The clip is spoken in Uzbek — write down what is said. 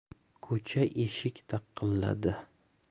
ko'cha eshik taqilladi